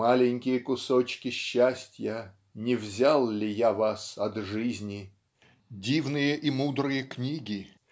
Маленькие кусочки счастья, не взял ли я вас от жизни? Дивные и мудрые книги